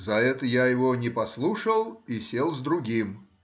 — За это я его не послушал и сел с другим.